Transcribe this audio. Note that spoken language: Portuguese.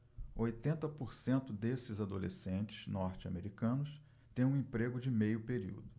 oitenta por cento desses adolescentes norte-americanos têm um emprego de meio período